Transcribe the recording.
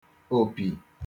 òpì